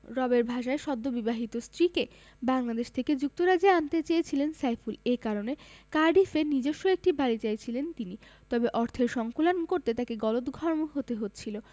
রবের ভাষায় সদ্যবিবাহিত স্ত্রীকে বাংলাদেশ থেকে যুক্তরাজ্যে আনতে চেয়েছিলেন সাইফুল এ কারণে কার্ডিফে নিজস্ব একটি বাড়ি চাইছিলেন তিনি তবে অর্থের সংকুলান করতে তাঁকে গলদঘর্ম হতে হচ্ছিল